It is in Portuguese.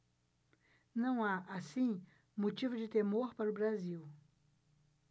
não há assim motivo de temor para o brasil